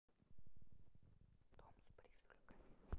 дом с призраками